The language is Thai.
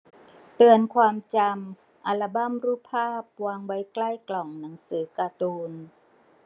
เตือนความจำอัลบัมรูปภาพวางไว้ใกล้กล่องหนังสือการ์ตูน